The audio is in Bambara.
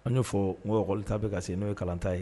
An y'o fɔ nɔrɔn ta a bɛ ka n'o ye kalantan ye